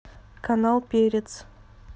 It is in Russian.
канал перец